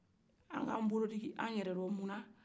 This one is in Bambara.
an ka an bolodi ɲɔgɔn ma